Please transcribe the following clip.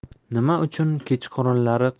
nima uchun kechqurunlari